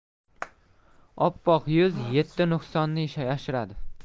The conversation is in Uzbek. oppoq yuz yetti nuqsonni yashiradi